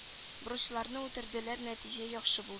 Бурычларны үтәделәр нәтиҗә яхшы